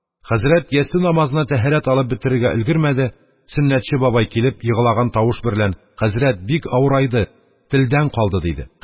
Хәзрәт ястү намазына тәһарәт алып бетерергә өлгермәде, Сөннәтче бабай, килеп, еглаган тавыш берлән: – Хәзрәт, бик авырайды, телдән калды, – диде.